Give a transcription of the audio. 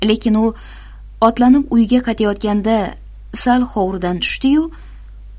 lekin u otlanib uyiga qaytayotganda sal hovuridan tushdi yu